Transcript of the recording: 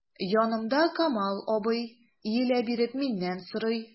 Янымда— Камал абый, иелә биреп миннән сорый.